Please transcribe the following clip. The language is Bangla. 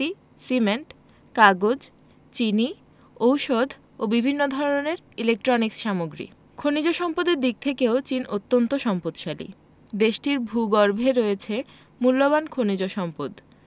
কাগজ চিনি ঔষধ ও বিভিন্ন ধরনের ইলেকট্রনিক্স সামগ্রী খনিজ সম্পদের দিক থেকেও চীন অত্যান্ত সম্পদশালী দেশটির ভূগর্ভে রয়েছে মুল্যবান খনিজ সম্পদ